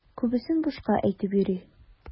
Күбесен бушка әйтеп йөри.